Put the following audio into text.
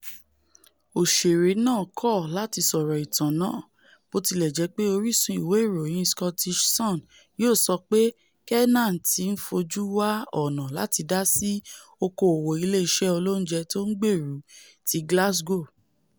Òṣèré náà kọ láti sọ̀rọ̀ ìtàn náà, botilẹjẹpe orísun ìwé ìròyìn Scottish Sun yọ́ ọ sọ pé Kiernan tí ńfojú wá ọ̀nà láti dásí ''oko-òwò ilé iṣẹ́ olóúnjẹ tó ńgbèrú'' ti Glasgow.